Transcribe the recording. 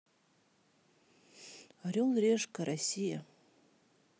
орел и решка россия